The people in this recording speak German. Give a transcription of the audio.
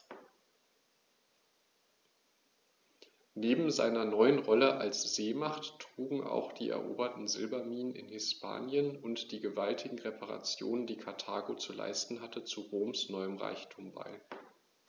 Neben seiner neuen Rolle als Seemacht trugen auch die eroberten Silberminen in Hispanien und die gewaltigen Reparationen, die Karthago zu leisten hatte, zu Roms neuem Reichtum bei.